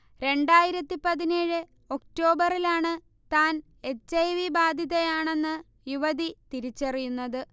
രണ്ടായിരത്തി പതിനേഴ് ഒക്ടോബറിലാണ് താൻ എച്ച്. ഐ. വി. ബാധിതയാണെന്ന് യുവതി തിരിച്ചറിയുന്നത്